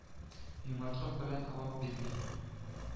Юмартлык белән авап бирми